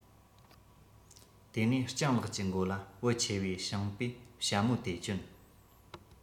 དེ ནས སྤྱང ལགས ཀྱི མགོ ལ བུ ཆེ བའི ཕྱིང པའི ཞྭ མོ དེ གྱོན